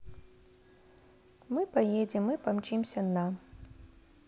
мы поедем мы помчимся на